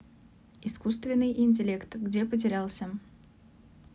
искусственный интеллект где потерялся